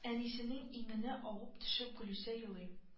Әнисенең иңенә авып төшеп гөлүсә елый